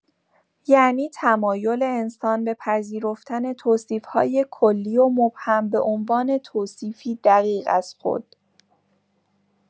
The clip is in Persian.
یعنی تمایل انسان به پذیرفتن توصیف‌های کلی و مبهم به‌عنوان توصیفی دقیق از خود.